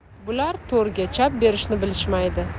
bular to'rga chap berishni bilishmaydi